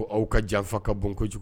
Aw ka janfa ka bɔko kojugu